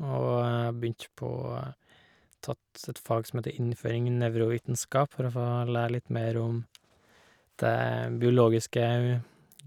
Og jeg begynte på tatt et fag som heter innføring i nevrovitenskap, for å få lære litt mer om det biologiske